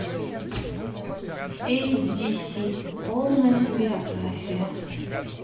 эйси диси полная биография